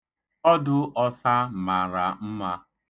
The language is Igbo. Ọdụ ọsa mara mma.